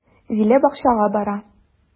Зилә бакчага бара.